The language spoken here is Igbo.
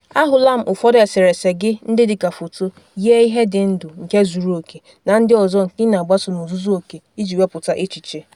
LM: Ahụla m ụfọdụ eserese gị ndị dịka foto, yie ihe dị ndụ, nke zuru oke… na ndị ọzọ nke ị na-agbaso n'ozuzuoke iji wepụta echiche.